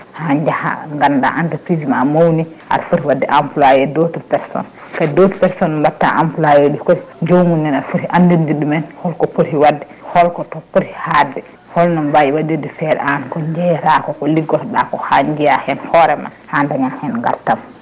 ha jaaya ganda entreprise ma mawni aɗa foti wadde employé d' autres personnes kadi d' autres personnes ɓe foof jomum en aɗa foti andinde ɗumen holko poti wadde holto poti hadde holno mbawi waɗirde feere an ko jeyatako ko liggotoɗa ko ha jiiya hen hoorema ha daña hen gartam